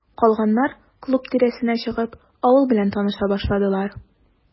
Калганнар, клуб тирәсенә чыгып, авыл белән таныша башладылар.